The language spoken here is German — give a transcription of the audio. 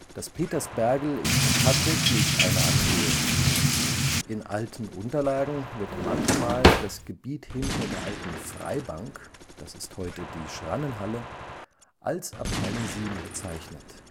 Das Petersbergl ist tatsächlich eine Anhöhe. In alten Unterlagen wird manchmal das Gebiet hinter der alten Freibank (heute Schrannenhalle) als Abt. VII bezeichnet